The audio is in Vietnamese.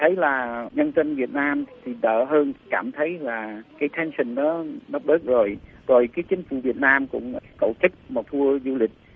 thấy là nhân dân việt nam thì đỡ hơn cảm thấy là cái hành trình đó nó đứt rồi rồi cái chính phủ việt nam cũng tổ chức một tua du lịch